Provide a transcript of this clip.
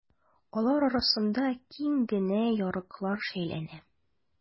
Алар арасында киң генә ярыклар шәйләнә.